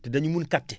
te dañu mun capté